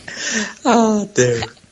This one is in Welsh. O Duw!